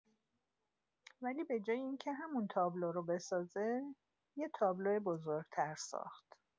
ولی به‌جای اینکه همون تابلو رو بسازه، یه تابلو بزرگ‌تر ساخت.